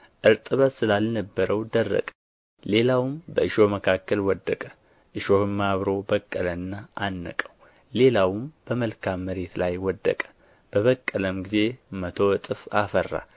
እርጥበት ስላልነበረው ደረቀ ሌላውም በእሾህ መካከል ወደቀ እሾሁም አብሮ በቀለና አነቀው ሌላውም በመልካም መሬት ላይ ወደቀ በበቀለም ጊዜ መቶ እጥፍ አፈራ